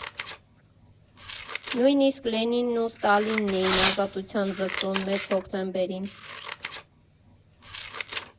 Նույնիսկ Լենինն ու Ստալինն էին ազատության ձգտում Մեծ Հոկտեմբերին։